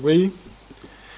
oui